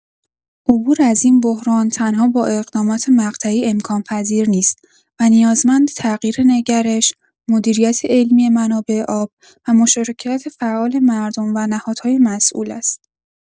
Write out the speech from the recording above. عبور از این بحران تنها با اقدامات مقطعی امکان‌پذیر نیست و نیازمند تغییر نگرش، مدیریت علمی منابع آب و مشارکت فعال مردم و نهادهای مسئول است.